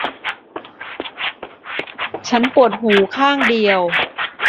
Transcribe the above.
ฉันปวดหูข้างเดียว